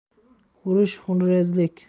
urush xunrezlik